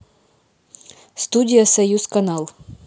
студия союз канал